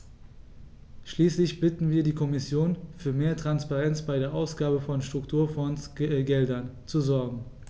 Schließlich bitten wir die Kommission, für mehr Transparenz bei der Ausgabe von Strukturfondsgeldern zu sorgen.